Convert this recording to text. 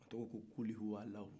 a tɔgɔ ko kulihuwalayu